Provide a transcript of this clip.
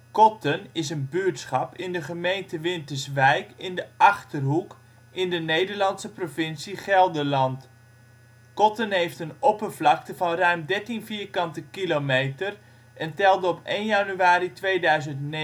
Kotten is een buurtschap in de gemeente Winterswijk, in de Achterhoek, in de Nederlandse provincie Gelderland. Kotten heeft een oppervlakte van ruim 13 km² en telde op 1 januari 2009 820